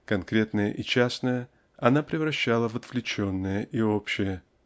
конкретное и частное она превращала в отвлеченное и общее